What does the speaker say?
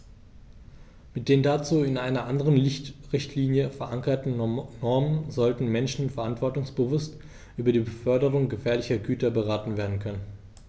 Mit den dazu in einer anderen Richtlinie, verankerten Normen sollten Menschen verantwortungsbewusst über die Beförderung gefährlicher Güter beraten werden können.